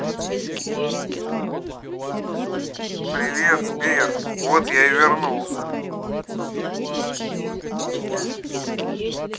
привет сбер вот я и вернулся